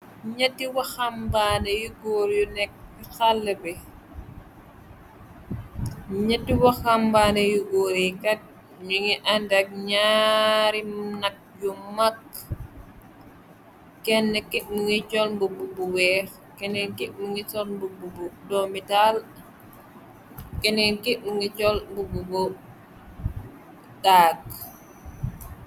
Ñetti waxambaane yu goor yu nek si xaalle bi, ñetti waxambaane yu góor yi kat, ñi ngi àndek ñaari nag yu mag, kenne ki mingi sol mbubu bu weex, keneen ki mingi col mbubu bu domitaal, keneen ki mu ngi col mbubu bu dagg.